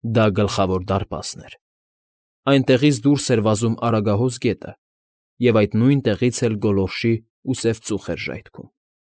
Դա Գլխավոր դարպասն էր։ Այնտեղից դուրս էր վազում Արագահոս գետը և այդ նույն տեղից էլ գոլորշի ու սև ծուխ էր ժայթքում։